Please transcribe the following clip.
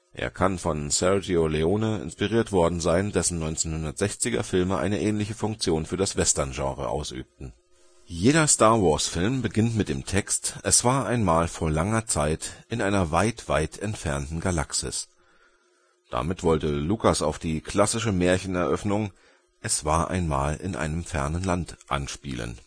Er kann von Sergio Leone inspiriert worden sein, dessen 1960er Filme eine ähnliche Funktion für das Western-Genre ausübten. Jeder Star-Wars-Film beginnt mit dem Text „ Es war einmal vor langer Zeit in einer weit, weit entfernten Galaxis.... “. Damit wollte Lucas auf die klassische Märcheneröffnung „ Es war einmal in einem fernen Land... “anspielen